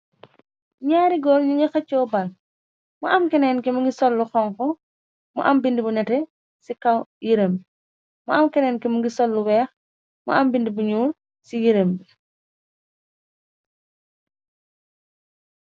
Nyaari goor yi nga xeccoo bal mu am keneenki mu ngi sollu xonku mu am bindi bu nete ci kaw yirembi mu am keneenki mu ngi sollu weex mu am bind bu ñyuur ci yirembi.